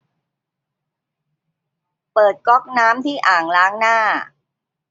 เปิดก๊อกน้ำที่อ่างล้างหน้า